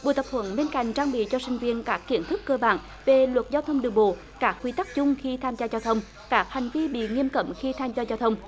buổi tập huấn bên cạnh trang bị cho sinh viên các kiến thức cơ bản về luật giao thông đường bộ các quy tắc chung khi tham gia giao thông các hành vi bị nghiêm cấm khi tham gia giao thông